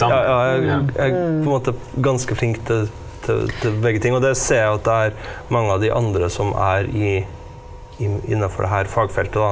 ja ja jeg jeg er på en måte ganske flink til til til begge ting, og det ser jeg at det er mange av de andre som er i innafor det her fagfeltet da.